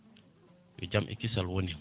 yo jaam e kiisal wone ma